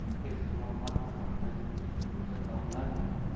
ehtimol vaqt haqidagi tirnoqlar ma'noga ega